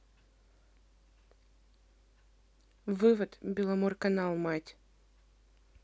вывод беломорканал мать